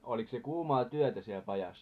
olikos se kuumaa työtä siellä pajassa